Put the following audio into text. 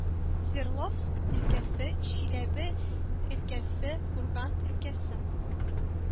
Свердловск өлкәсе, Чиләбе өлкәсе, Курган өлкәсе